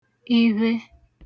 ivhe